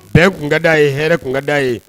Bɛɛ kun kada ye hɛrɛ kun kada ye